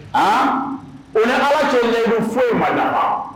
A o ni ala cɛ ne foyi in ma wa